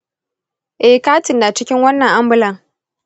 eh katin na cikin wannan ambulan.